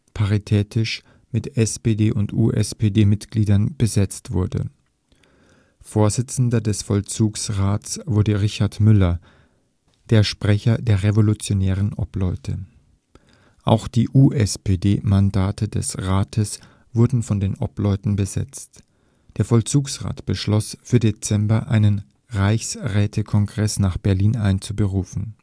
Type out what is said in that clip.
paritätisch mit SPD - und USPD-Mitgliedern besetzt wurde. Vorsitzender des Vollzugsrates wurde Richard Müller, der Sprecher der Revolutionären Obleute. Auch die USPD-Mandate des Rates wurden von den Obleuten besetzt. Der Vollzugsrat beschloss, für Dezember einen Reichsrätekongress nach Berlin einzuberufen